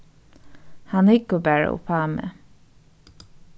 hann hyggur bara uppá meg